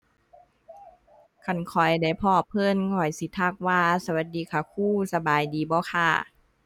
คันข้อยได้พ้อเพิ่น ข้อยสิทักว่าสวัสดีค่ะครู สบายดีบ่คะ